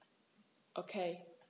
Okay.